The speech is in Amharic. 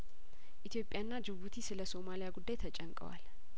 ኢትዮጵያና ጅቡቲ ስለሶማሊያ ጉዳይ ተጨንቀዋል